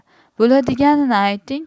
bo'ladiganini ayting